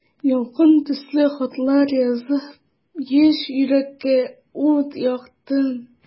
Ялкын төсле хатлар язып, яшь йөрәккә ут яктың.